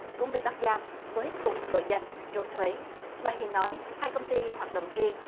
cũng bị bắt giam với cùng tội danh trốn thuế bà hiền nói hai công ty hoạt động riêng